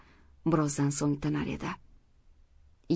birozdan so'ng tinar edi